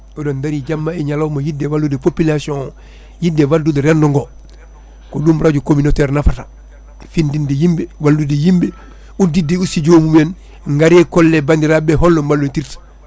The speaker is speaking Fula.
oɗon daari jamma e ñalawma yidde wallude population o yidde wallude rendo ngo ko ɗum radio communautaire nafata findinde yimɓe wallude yimɓe uddidde aussi jomum en gaare kolle bandiraɓe holno mballodirta